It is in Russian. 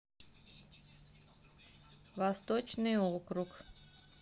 восточный округ